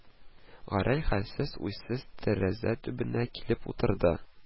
Гәрәй хәлсез, уйсыз тәрәзә төбенә килеп утырды